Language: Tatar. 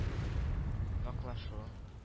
Ваклашу